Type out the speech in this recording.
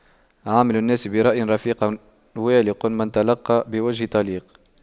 عامل الناس برأي رفيق والق من تلقى بوجه طليق